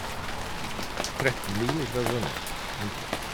Tretten mil ifra Trondheim, omtrent.